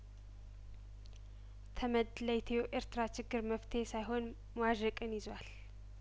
ተመድ ለኢትዮ ኤርትራ ችግር መፍትሄ ሳይሆን መዋዠቅን ይዟል